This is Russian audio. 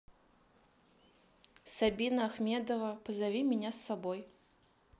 сабина ахмедова позови меня с собой